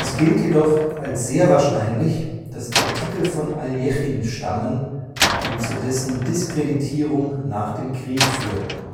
gilt jedoch als sehr wahrscheinlich, dass die Artikel von Aljechin stammen, die zu dessen Diskreditierung nach dem Krieg führten